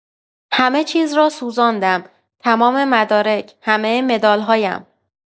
همه چیز را سوزاندم، تمام مدارک، همه مدال‌هایم.